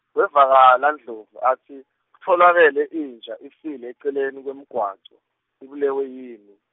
Wevakala Ndlovu atsi, kutfolakele inja ifile eceleni kwemgwaco, Ibulewe yini?